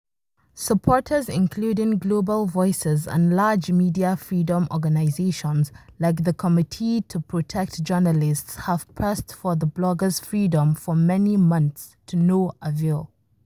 Supporters including Global Voices and large media freedom organizations like the Committee to Protect Journalists have pressed for the bloggers’ freedom for many months, to no avail.